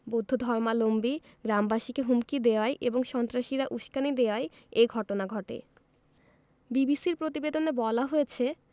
বৌদ্ধ ধর্মালম্বী গ্রামবাসীকে হুমকি দেওয়ায় এবং সন্ত্রাসীরা উসকানি দেওয়ায় এ ঘটনা ঘটে বিবিসির প্রতিবেদনে বলা হয়েছে